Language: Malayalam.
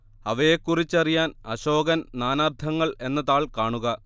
അവയെക്കുറിച്ചറിയാൻ അശോകൻ നാനാർത്ഥങ്ങൾ എന്ന താൾ കാണുക